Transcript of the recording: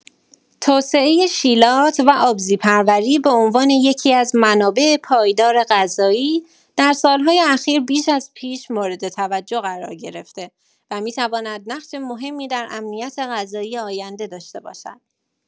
توسعه شیلات و آبزی‌پروری به عنوان یکی‌از منابع پایدار غذایی، در سال‌های اخیر بیش از پیش مورد توجه قرار گرفته و می‌تواند نقش مهمی در امنیت غذایی آینده داشته باشد.